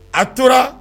A tora